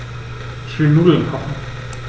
Ich will Nudeln kochen.